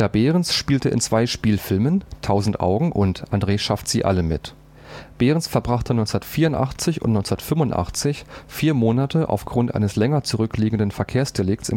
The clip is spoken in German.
Behrens spielte in zwei Spielfilmen („ 1000 Augen “und „ André schafft sie alle “) mit. Behrens verbrachte 1984 und 1985 vier Monate aufgrund eines länger zurück liegenden Verkehrsdelikts